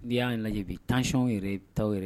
N' y'a lajɛ bi 1cɔn yɛrɛ ta yɛrɛ